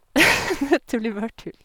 Dette blir bare tull.